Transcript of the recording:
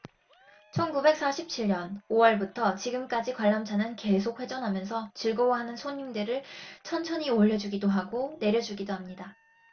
천 구백 사십 칠 년 오 월부터 지금까지 관람차는 계속 회전하면서 즐거워하는 손님들을 천천히 올려 주기도 하고 내려 주기도 합니다